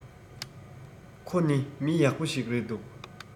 ཁོ ནི མི ཡག པོ ཞིག རེད འདུག